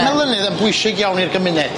O'dd yr melinydd yn bwysig iawn i'r gymuned.